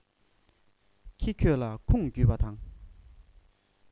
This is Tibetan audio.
ཁྱི ཁྱོད ལ ཁུངས བརྒྱུད པ དང